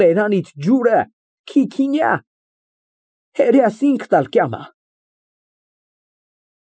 Բերանիդ ջուրը քի քինյա։ Հեարյաս ինքն ալ կյամ ա։